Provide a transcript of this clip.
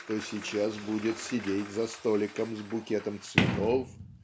что сейчас будет сидеть за столиком с букетом цветов